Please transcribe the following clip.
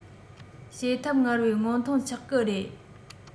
བྱེད ཐབས སྔར བས སྔོན ཐོན ཆགས གི རེད